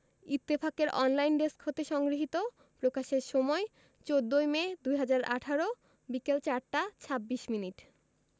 ইত্তেফাক এর online desk হতে সংগৃহীত প্রকাশের সময় ১৪মে ২০১৮ বিকেল ৪টা ২৬ মিনিট